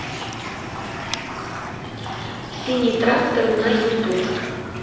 синий трактор на ютуб